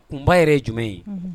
Kunba yɛrɛ ye jumɛn ye